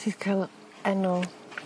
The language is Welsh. Ti 'di ca'l yy enw